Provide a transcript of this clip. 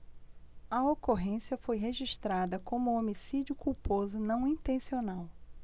a ocorrência foi registrada como homicídio culposo não intencional